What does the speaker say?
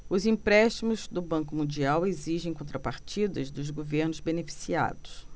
os empréstimos do banco mundial exigem contrapartidas dos governos beneficiados